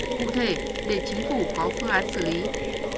cụ thể để chính phủ có phương án xử lý